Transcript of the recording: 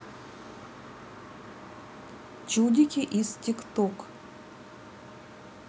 чудики из tik tok